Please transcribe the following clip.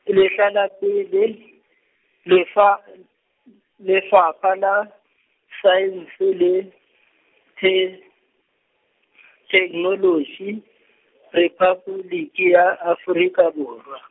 le hla la pele, Lefa- , Lefapha la, Saense le The- , Theknoloji, Rephaboliki ya Afrika Borwa.